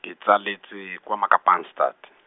ke tsaletswe kwa Makapanstad.